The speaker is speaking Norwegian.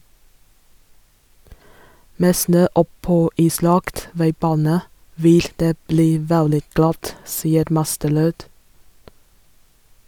Med snø oppå islagt veibane vil det bli veldig glatt, sier Masterød.